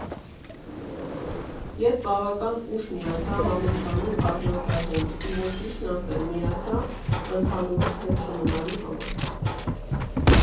Ես բավական ուշ միացա համընդհանուր աժիոտաժին, ու, որ ճիշտն ասեմ, միացա ընդհանուրից հետ չմնալու համար։